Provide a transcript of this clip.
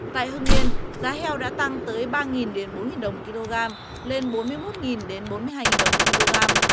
tại hưng yên giá heo đã tăng tới ba nghìn đến bốn nghìn đồng ki lô gam lên bốn mươi mốt nghìn đến bốn hai nghìn đồng một ki lô gam